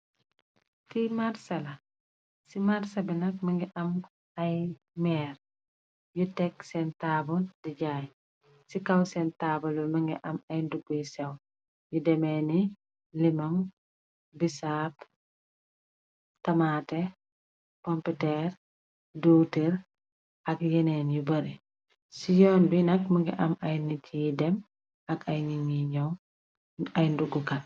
Li marse la ci marse bi nak mogi am ay meer yu tegg seen taaba di jaay ci kaw seen taabalu mogi am ay ndugguy sew yu demee ni limon bi saap tamaate pomputer duutir ak yeneen yu bare ci yoon bi nak mogi am ay nit yiy dem ak nit you nyow ak ay nduggukaat.